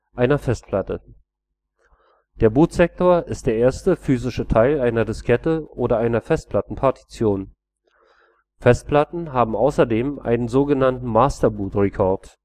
einer Festplatte. Der Bootsektor ist der erste physische Teil einer Diskette oder einer Festplattenpartition. Festplatten haben außerdem einen so genannten Master Boot Record